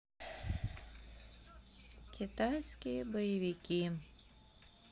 китайские боевики